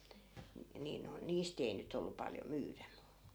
niin noin niistä ei nyt ollut paljon myydä mutta